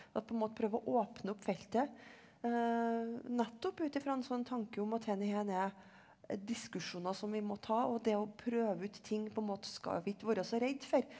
at på en måte prøve å åpne opp feltet nettopp ut ifra en sånn tanke om at dette her er diskusjoner som vi må ta og det å prøve ut ting på en måte skal vi ikke være så redde for.